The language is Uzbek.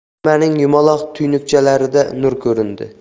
kemaning yumaloq tuynukchalarida nur ko'rindi